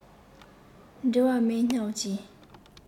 འབྲེལ བ མེད སྙམ གྱིན